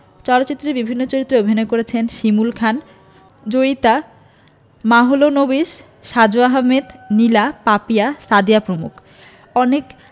চলচ্চিত্রের বিভিন্ন চরিত্রে অভিনয় করেছেন শিমুল খান জয়িতা মাহলানোবিশ সাজু আহমেদ নীলা পাপিয়া সাদিয়া প্রমুখ অনিক